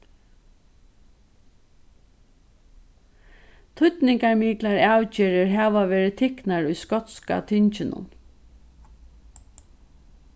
týdningarmiklar avgerðir hava verið tiknar í skotska tinginum